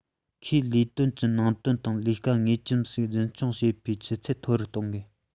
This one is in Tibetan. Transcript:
ཁོས ལས དོན གྱི ནང དོན དང ལས ཀ ངེས ཅན ཞིག རྒྱུན འཁྱོངས བྱེད པའི ཆུ ཚད མཐོ རུ གཏོང དགོས